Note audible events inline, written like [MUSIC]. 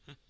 [HESITATION]